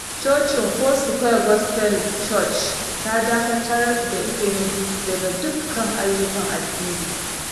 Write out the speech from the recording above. Cocin Foursƙuare Gospel Church ta dakatar da Igbeneghu "daga dukkan aiyukan addini".